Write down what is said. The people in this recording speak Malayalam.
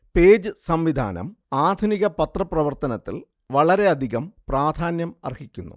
പേജ് സംവിധാനം ആധുനിക പത്രപ്രവർത്തനത്തിൽ വളരെയധികം പ്രാധാന്യം അർഹിക്കുന്നു